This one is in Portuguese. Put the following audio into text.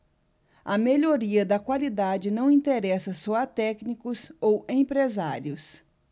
a melhoria da qualidade não interessa só a técnicos ou empresários